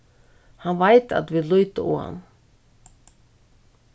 hann veit at vit líta á hann